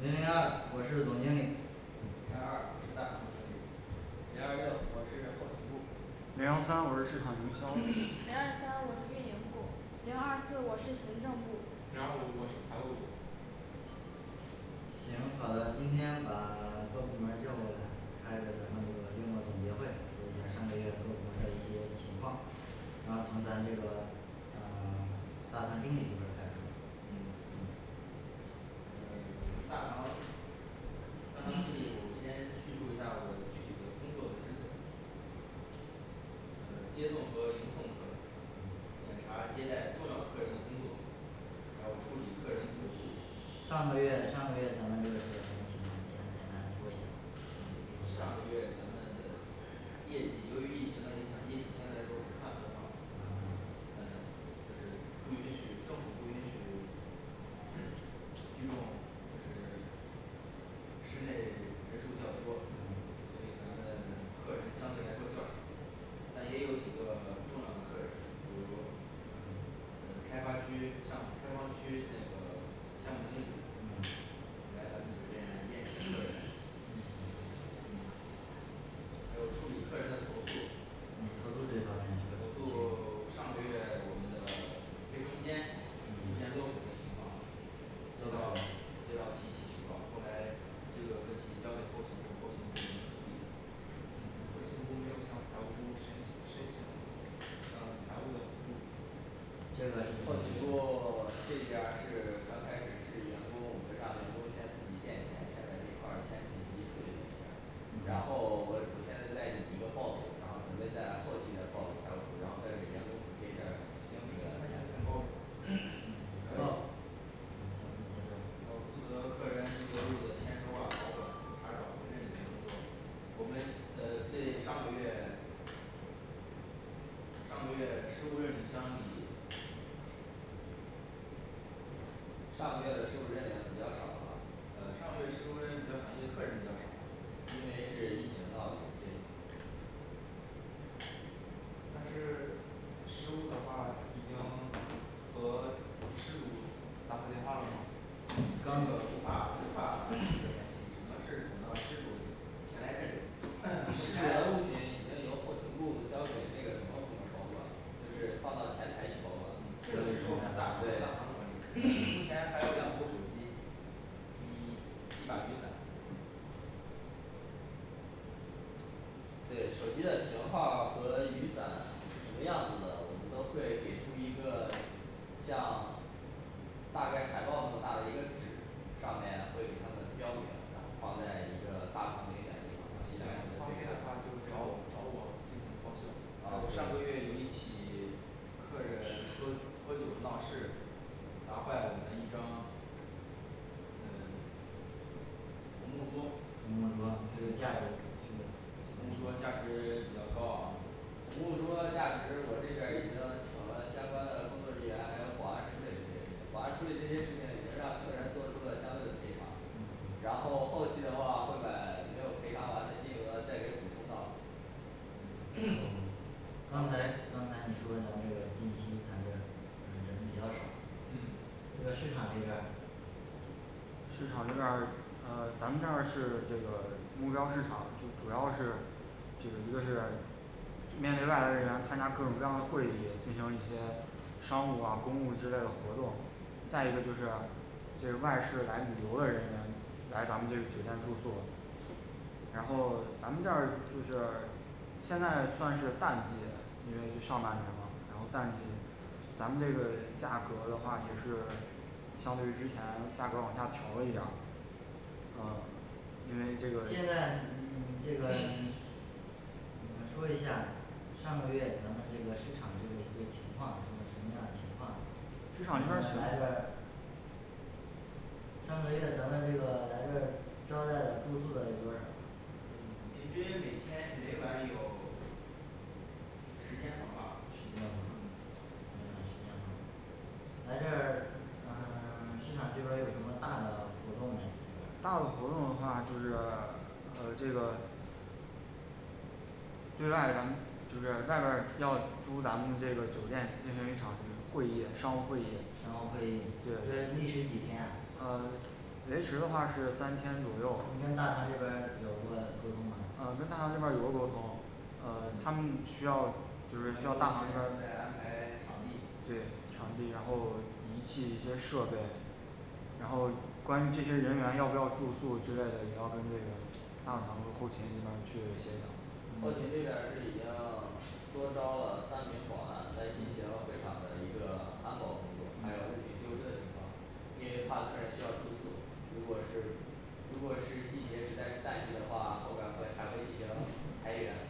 零零二我是总经理零二二我是大堂经理零二六我是后勤部零幺三我是市场营销零 二三我是运营部零二四我是行政部零二五我是财务部行好的，今天把 各部门儿叫过来，开个咱们这个月末总结会，说一下上个月各部门儿的一些情况然后从咱这个呃 大堂经理这边儿来说嗯嗯嗯嗯 我是大堂大堂经理我先叙述一下我具体的工作的职责呃接送和迎送客人，嗯检查接待重要客人的工作，还有处理客人投诉上个月上个月咱们这个是个什么情况，你先简单说一下儿上个月咱们的业绩由于疫情的影响，业绩相对说不算很好不算，很好嗯就是不允许政府不允许 聚众就是室内嘞人数较多，嗯所以咱们客人相对来说较少但也有几个重要的客人，比如嗯呃开发区项开发区那个项目经理嗯来咱们酒店宴请一个人嗯宴请客人嗯还有处理客人的投诉嗯投诉这方面是个什么投情况诉上个月我们的卫生间出嗯现漏水的情况收到接到集体举报后来这个问题交给后勤部，后勤部已经处理嗯后勤部没有向财务部申申请，财务的服务这个事情后勤咱部们 这边儿是刚开始是员工，我们让员工先自己垫钱，先在这一块儿先紧急处理了一下儿嗯然后我我现在在拟一个报表儿，然后准备在后期再报给财务，然后再给员工补贴一下儿这个 嗯嗯然后你先说负责客人遗留物的签收啊、保管、查找和认领的工作，我们呃对上个月上个月失物认领相比上个月的失物认领比较少啊呃上个月事物认领比较少因为客人比较少因为是疫情到底对但是失物的话已经和失主打过电话了吗？告诉我无法无法这个只 能是等到失主前来认领嗯目失主前的物品已经由后勤部交给那个什么部门儿保管就是放到前台去保管对这个确实大大对堂合理 目前还有两部手机一一把雨伞上面会给他们标明，然后放在一个大堂明显的地方，他们一来啊找我找我进行报销啊上个月有一起客人喝喝酒闹事砸坏我们一张呃红木桌红木桌这个价格这红木桌价值比较高昂红木桌价值我这边儿已经请了相关的工作人员，还有保安处理这些事情，保安处理这些事情已经让客人做出了相对的赔偿，嗯然后后期的话会把没有赔偿完的金额再给补充到嗯就 刚才刚才你说的咱们这个近期咱们嗯人比较少嗯这个市场这边儿市场这边儿呃咱们这儿是这个目标儿市场就主要是解一个是面对外来人员参加各种各样的会议，进行一些商务啊公共之类的活动再一个就是是外市来旅游的人员，来咱们这个酒店住宿对然后咱们这儿就是现在呢算是淡季了因为是上半年了，然后淡季咱们这个价格的话也是相对于之前价格往下调一点儿啊现因在你为这这个个你 呃说一下上个月咱们这个市场这个一个情况是个什么样的情况他上们个来这儿月上个月咱们这个来这儿招待了住宿的有多少嗯平均每天每晚有 十间房吧十间房嗯每晚十间房来这儿呃 市场这边儿有什么大的活动没这边儿大的活动的话就是呃这个另外咱们就是外边儿要租咱们这个酒店就像一场这个会议商务会议商务会议呃对历时几天呃维持的话是三天左右你跟大堂这边儿有过沟通吗啊跟大堂这边儿有过沟通呃他们需要就是大堂正在安排场地对场地，然后仪器一些设备然后关于这些人员要不要住宿之类的，比方说那种跟后勤这儿去协调嗯嗯因为怕客人需要住宿，如果是如如果是季节实在是淡季的话后边儿会还会进行裁员